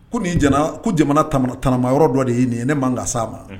Ko nin ko jamana tananama yɔrɔ dɔ de y'i nin ye ne manka s' a ma